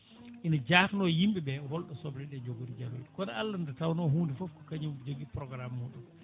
ina jahno yimɓeɓe holɗo sobleɗe jogori jaroyde kono Allah nde tawno hunde foof ko kañum programme muɗum